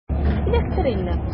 Эләктер инде!